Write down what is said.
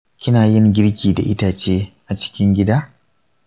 kina yin girki da itace a cikin gida?